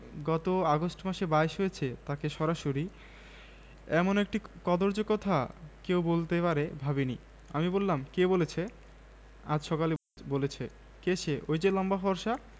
গত আগস্ট মাসে বাইশ হয়েছে তাকে সরাসরি এমন একটি কদৰ্য কথা কেউ বলতে পারে ভাবিনি আমি বললাম কে বলেছে আজ সকালে বলেছে কে সে ঐ যে লম্বা ফর্সা